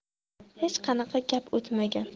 hech qanaqa gap o'tmagan